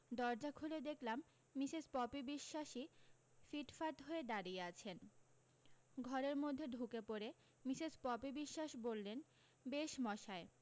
দরজা খুলে দেখলাম মিসেস পপি বিশ্বাসৈ ফিটফাট হয়ে দাঁড়িয়ে আছেন ঘরের মধ্যে ঢুকে পড়ে মিসেস পপি বিশ্বাস বললেন বেশ মশাই